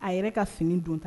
A yɛrɛ ka fini don ta